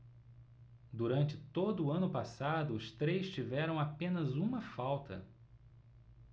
durante todo o ano passado os três tiveram apenas uma falta